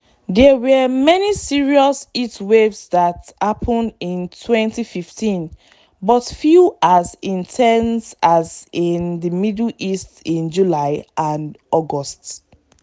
There were many serious heatwaves that happened in 2015, but few as intense as in the Middle East in July and August.